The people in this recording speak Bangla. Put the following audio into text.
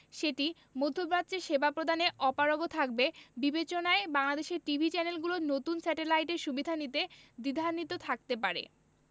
সেটি মধ্যপ্রাচ্যে সেবা প্রদানে অপারগ থাকবে বিবেচনায় বাংলাদেশের টিভি চ্যানেলগুলো নতুন স্যাটেলাইটের সুবিধা নিতে দ্বিধান্বিত থাকতে পারে